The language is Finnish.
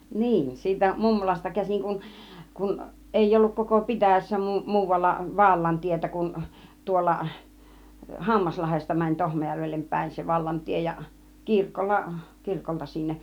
niin siitä mummolasta käsin kun kun ei ollut koko pitäjässä - muualla - vallantietä kuin tuolla Hammaslahdesta meni Tohmajärvelle päin se vallantie ja kirkolla kirkolta sinne